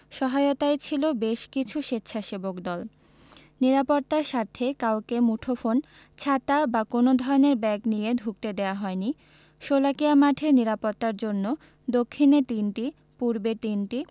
সহায়তায় ছিল বেশ কিছু স্বেচ্ছাসেবক দল নিরাপত্তার স্বার্থে কাউকে মুঠোফোন ছাতা বা কোনো ধরনের ব্যাগ নিয়ে ঢুকতে দেওয়া হয়নি শোলাকিয়া মাঠের নিরাপত্তার জন্য দক্ষিণে তিনটি পূর্বে তিনটি